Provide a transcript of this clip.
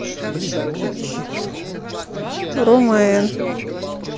рома эн